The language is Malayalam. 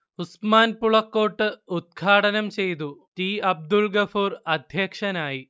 ഉസ്മാൻ പൂളക്കോട്ട് ഉദ്ഘാടനം ചെയ്തു, ടി അബ്ദുൾഗഫൂർ അധ്യക്ഷനായി